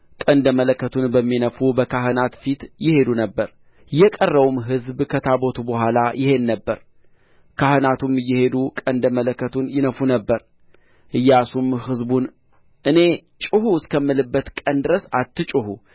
ቀንደ መለከቱን በሚነፉ በካህናቱ ፊት ይሄዱ ነበር የቀረውም ሕዝብ ከታቦቱ በኋላ ይሄድ ነበር ካህናቱም እየሄዱ ቀንደ መለከቱን ይነፉ ነበር ኢያሱም ሕዝቡን እኔ ጩኹ እስከምልበት ቀን ድረስ አትጩኹ